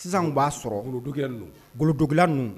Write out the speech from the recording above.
Sisan u b'a sɔrɔdo golodo ninnu